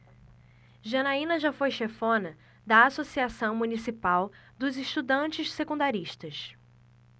janaina foi chefona da ames associação municipal dos estudantes secundaristas